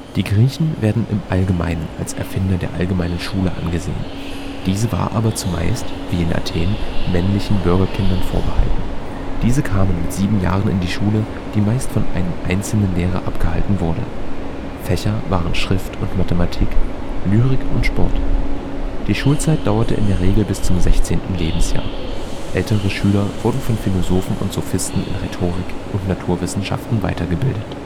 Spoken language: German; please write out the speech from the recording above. Die Griechen werden im Allgemeinen als Erfinder der allgemeinen Schule angesehen. Diese war aber zumeist – wie in Athen – männlichen Bürgerkindern vorbehalten. Diese kamen mit sieben Jahren in die Schule, die meist von einem einzelnen Lehrer abgehalten wurde. Fächer waren Schrift und Mathematik, Lyrik und Sport. Die Schulzeit dauerte in der Regel bis zum 16. Lebensjahr. Ältere Schüler wurden von Philosophen und Sophisten in Rhetorik und Naturwissenschaften weitergebildet